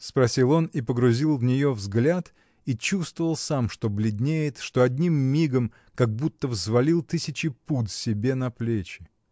— спросил он и погрузил в нее взгляд и чувствовал сам, что бледнеет, что одним мигом как будто взвалил тысячи пуд себе на плечи.